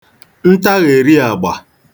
ntaghèri àgbà